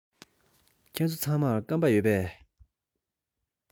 ཁྱེད ཚོ ཚང མར སྐམ པ ཡོད པས